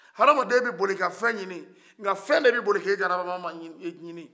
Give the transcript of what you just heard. adamaden bɛ boli ka fɛn ɲini nka fɛn de bɛ boli ka e grabamama ɲini